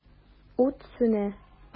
Ут сүнә.